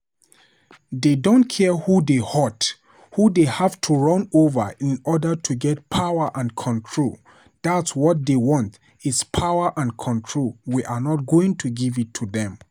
They don't care who they hurt, who they have to run over in order to get power and control, that's what they want is power and control, we're not going to give it to them."